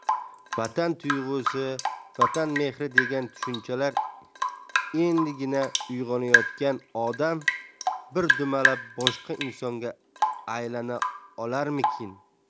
vatan tuyg'usi vatan mehri degan tushunchalar endigina uyg'onayotgan odam bir dumalab boshqa insonga aylana olarmikin